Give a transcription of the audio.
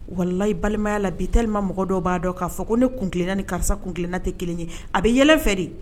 Walala i balimaya la bielilima mɔgɔ dɔ b'a dɔn k'a fɔ ko ne kun kelenna ni karisa kunna tɛ kelen ye a bɛ yɛlɛɛlɛn fɛ de